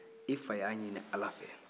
i fa y'a ɲinin ala fɛ